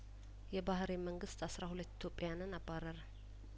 የባህሬን መንግስት አስራ ሁለት ኢትዮጵያንን አባረረ